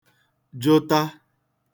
jụta